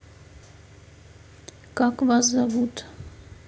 как вас зовут